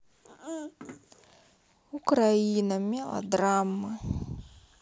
украина мелодрамы